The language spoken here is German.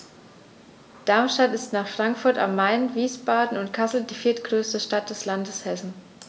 Darmstadt ist nach Frankfurt am Main, Wiesbaden und Kassel die viertgrößte Stadt des Landes Hessen